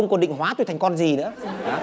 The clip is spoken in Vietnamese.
còn định hóa tôi thành con gì nữa